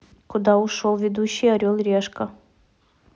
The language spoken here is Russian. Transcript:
куда ушел ведущий орел и решка